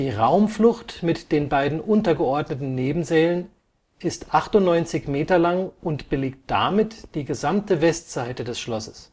Raumflucht mit den beiden untergeordneten Nebensälen ist 98 Meter lang und belegt damit die gesamte Westseite des Schlosses